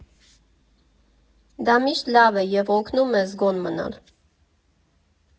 ֊ Դա միշտ լավ է և օգնում է զգոն մնալ»։